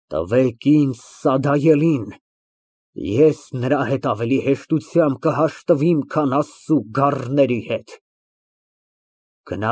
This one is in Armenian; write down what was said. Տվեք ինձ սադայելին, ես նրա հետ ավելի հեշտությամբ կհաշտվեմ, քան Աստծու գառների հետ։